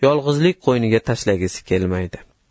yolg'izlik qo'yniga tashlagisi kelmaydi